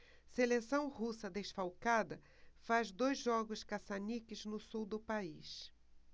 seleção russa desfalcada faz dois jogos caça-níqueis no sul do país